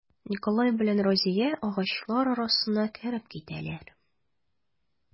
Николай белән Разия агачлар арасына кереп китәләр.